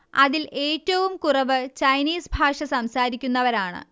അതിൽ ഏറ്റവും കുറവ് ചൈനീസ് ഭാഷ സംസാരിക്കുന്നവരാണ്